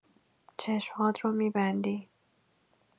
چشم‌هات رو می‌بندی.